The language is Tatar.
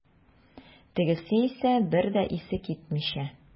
Тегесе исә, бер дә исе китмичә.